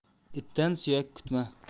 itdan suyak kutma